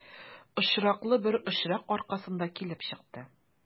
Очраклы бер очрак аркасында килеп чыкты.